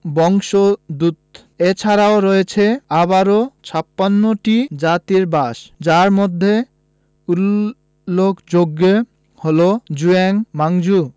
বংশোদূত এছারাও রয়েছে আবারও ৫৬ টি জাতির বাস যার মধ্যে উল্লেখযোগ্য হলো জুয়াং মাঞ্ঝু